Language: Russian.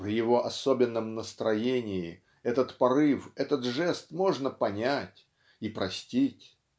при его особенном настроении этот порыв, этот жест можно понять (и простить),